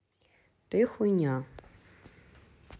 ты хуйня